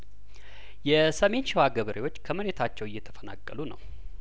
የሰሜን ሸዋ ገበሬዎች ከመሬታቸው እየተፈናቀሉ ነው